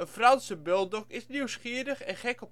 Franse bulldog is nieuwsgierig en gek